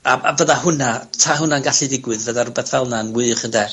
A a fydda hwnna, ta hwnna'n gallu ddigwydd, fydda rwbeth fel 'na yn wych, ynde?